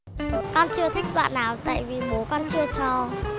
con chưa thích bạn nào tại vì bố con chưa cho